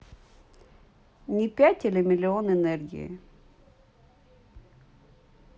не пять или миллион энергии